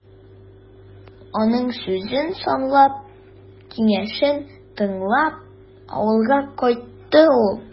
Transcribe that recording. Аның сүзен санлап, киңәшен тыңлап, авылга кайтты ул.